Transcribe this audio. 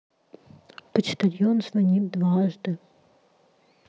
почтальон звонит дважды